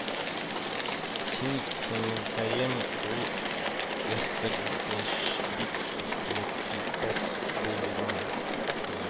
Син, сеңелкәем, ул өстерәлгәч бик мөкибәт булма,